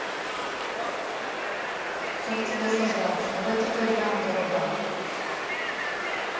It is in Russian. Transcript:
как тебя сожрать давайте поиграем в города